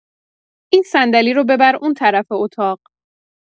این صندلی رو ببر اون طرف اتاق